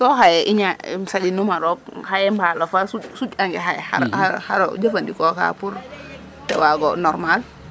so xaye i ña xendinuma roog xaye mbaalof a suƴ a suuƴ ange xaye xar xar o jafe ndiko ka pour te wago normal